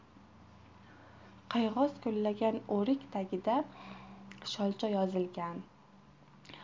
qiyg'os gullagan o'rik tagiga sholcha yozilgan